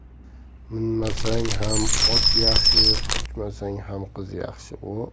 minmasang ham ot yaxshi quchmasang ham qiz yaxshi